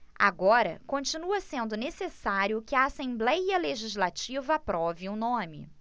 agora continua sendo necessário que a assembléia legislativa aprove o nome